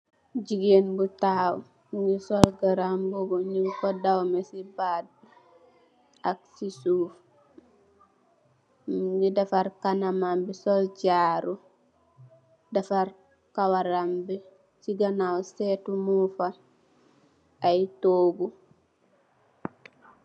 Jigéen bu taxaw, mu ngi sol garaambuba. Ñung ko daw me si baat ak si suuf. Ñu ngi defar canamam bi sol Jaaru. Defar cawaram bi. Si ganaaw séétu muñg fa, ak ay toogu.